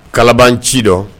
Kalaban ci dɔn